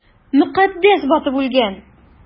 Мөкаддәс батып үлгән!